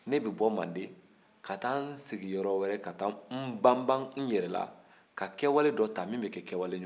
ne bɛ bɔ mande ka taa n sigi yɔrɔ wɛrɛ ka taa n bama n yɛrɛ la ka kɛwale dɔ ta min bɛ kɛ kɛwale ɲuman ye